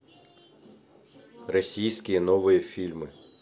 российские новые фильмы